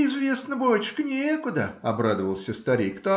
- Известно, батюшка, некуда, - обрадовался старик.